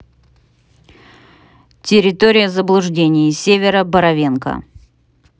территория заблуждений северо боровенко